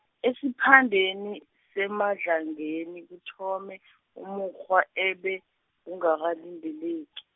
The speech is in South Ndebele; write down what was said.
esiphandeni, seMadlangeni kuthome, umukghwa ebe, ungakalindeleki